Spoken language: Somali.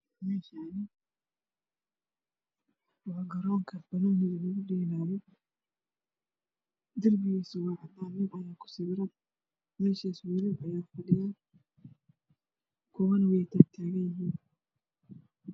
Meeshaani waa garoon lagu dheelaayo nin ayaa ku sawiran kuwa way tagtaagan yihiin